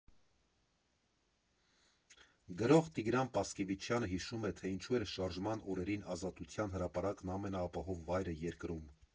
Գրող Տիգրան Պասկևիչյանը հիշում է, թե ինչու էր Շարժման օրերին Ազատության հրապարակն ամենաապահով վայրը երկրում։